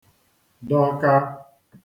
dọka